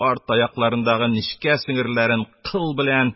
Арт аякларындагы нечкә сеңгерләрен кыл белән